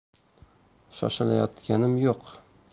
shoshilayotganim yo'q